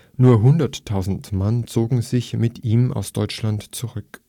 Nur 100.000 Mann zogen sich mit ihm aus Deutschland zurück